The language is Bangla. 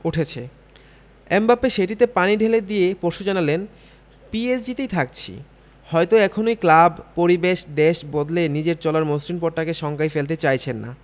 উঠেছে এমবাপ্পে সেটিতে পানি ঢেলে দিয়ে পরশু জানালেন পিএসজিতেই থাকছি হয়তো এখনই ক্লাব পরিবেশ দেশ বদলে নিজের চলার মসৃণ পথটাকে শঙ্কায় ফেলতে চাইছেন না